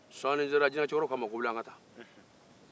sɔɔni selen jinɛ cɛkɔrɔba ko a ma ko wuli an ka taa